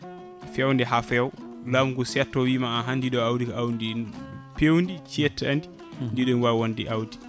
fewde ha fewa laamu ngu setto wiima ahan ndi ɗo awdi ko awdi pewdi cettadi ɗiɗo ne wawi wonde awdi